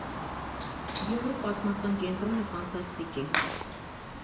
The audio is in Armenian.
Գյումրու պատմական կենտրոնը ֆանտաստիկ է։